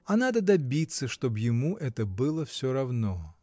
А надо добиться, чтоб ему это было всё равно.